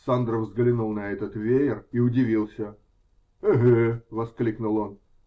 Сандро взглянул на этот веер и удивился. -- Эге! -- воскликнул он.